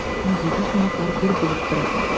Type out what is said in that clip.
Музейда кунаклар гел булып тора.